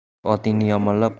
o'z otingni yomonlab